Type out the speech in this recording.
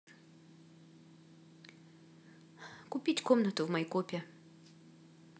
купить комнату в майкопе